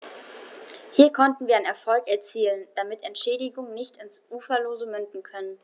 Hier konnten wir einen Erfolg erzielen, damit Entschädigungen nicht ins Uferlose münden können.